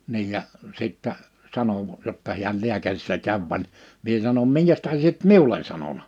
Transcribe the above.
niin ja sitten sanoi jotta hän lääkärissä kävi vaan minä sanon minkä tähden sinä et minulle sanonut